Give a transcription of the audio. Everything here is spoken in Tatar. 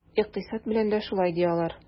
Икътисад белән дә шулай, ди алар.